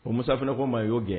Ɔ Musa fana k'o man ɲi u y'o gɛn